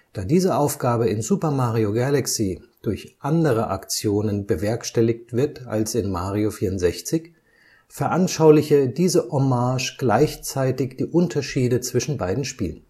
Da diese Aufgabe in Super Mario Galaxy durch andere Aktionen bewerkstelligt wird als in Mario 64, veranschauliche diese Hommage gleichzeitig die Unterschiede zwischen beiden Spielen